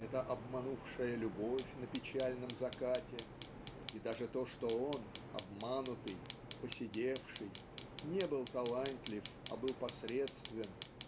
эта обманувшая любовь на печальном закате и даже то что он обманутый поседевший не был талантлив а был посредствен